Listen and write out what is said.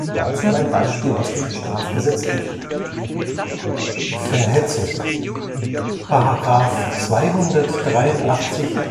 Dazu ein Beispiel aus dem Strafgesetzbuch: Verhetzung § 283